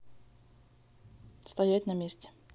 стоять на месте